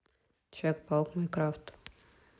человек паук в майнкрафт